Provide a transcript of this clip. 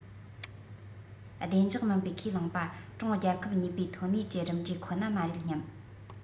བདེ འཇགས མིན པའི ཁས བླངས པ ཀྲུང རྒྱལ ཁབ གཉིས པོའི ཐོན ལས ཀྱི རིམ གྲས ཁོ ན མ རེད སྙམ